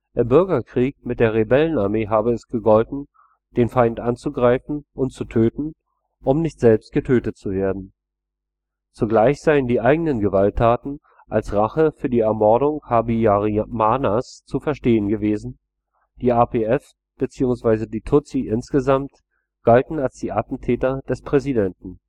Im Bürgerkrieg mit der Rebellenarmee habe es gegolten, den „ Feind “anzugreifen und zu töten, um nicht selbst getötet zu werden. Zugleich seien die eigenen Gewalttaten als Rache für die Ermordung Habyarimanas zu verstehen gewesen – die RPF beziehungsweise die Tutsi insgesamt galten als die Attentäter des Präsidenten